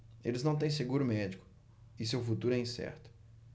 eles não têm seguro médico e seu futuro é incerto